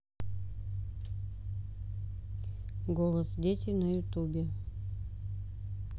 голос дети на ютубе